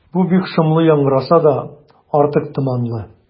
Бу бик шомлы яңгыраса да, артык томанлы.